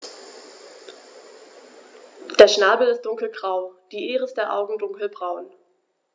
Der Schnabel ist dunkelgrau, die Iris der Augen dunkelbraun.